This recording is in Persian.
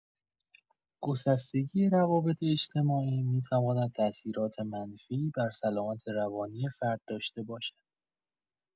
گسستگی روابط اجتماعی می‌تواند تاثیرات منفی بر سلامت روانی فرد داشته باشد.